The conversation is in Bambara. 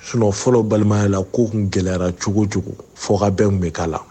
Sun fɔlɔ balimaya la ko gɛlɛyara cogo cogo fobɛn bɛ k'a la